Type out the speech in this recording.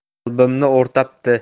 qalbimni o'rtabdi